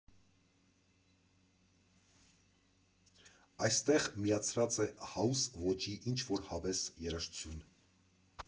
Այստեղ միացրած է հաուս ոճի ինչ֊որ հավես երաժշտություն։